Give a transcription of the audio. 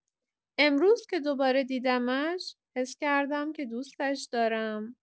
امروز که دوباره دیدمش، حس کردم که دوستش دارم.